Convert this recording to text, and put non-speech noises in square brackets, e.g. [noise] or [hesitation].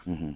[hesitation] [hesitation]